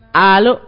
Aa